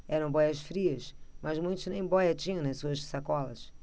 eram bóias-frias mas muitos nem bóia tinham nas suas sacolas